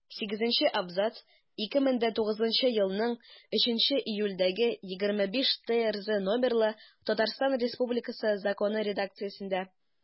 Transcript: Сигезенче абзац 2009 елның 3 июлендәге 25-ТРЗ номерлы Татарстан Республикасы Законы редакциясендә.